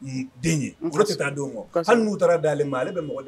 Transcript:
Den ye tɛ t taa denw ma haliu taara dalenale ma ale bɛ mɔgɔ